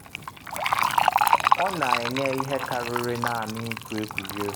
Ọ na-enye ihe karịrị naanị ịkụ egwuregwu.”